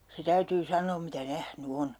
se täytyy sanoa mitä nähnyt on